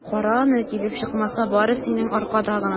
Кара аны, килеп чыкмаса, бары синең аркада гына!